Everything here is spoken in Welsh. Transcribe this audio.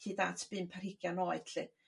hyd at bump ar higian oed 'lly.